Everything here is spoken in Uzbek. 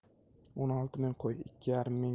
o'n olti ming qo'y ikki yarim